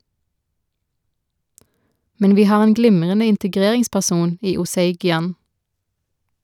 Men vi har en glimrende integreringsperson i Osei Gyan.